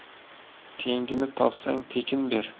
tengini topsang tekin ber